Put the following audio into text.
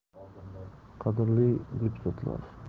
qadrli deputatlar